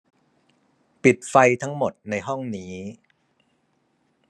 ปิดไฟทั้งหมดในห้องนี้